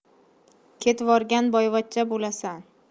ketvorgan boyvachcha bo'lasan